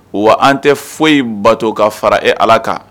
Wa an tɛ foyi ye bato ka fara e ala kan